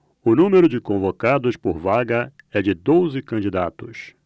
o número de convocados por vaga é de doze candidatos